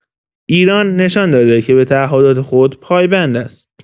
ایران نشان داده که به تعهدات خود پایبند است.